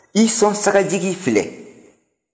i sɔnsagajigi filɛ